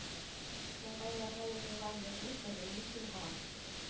Маңгайларга язылган язмыш мәдәни җомга